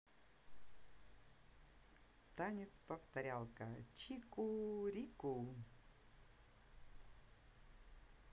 танец повторялка чику рику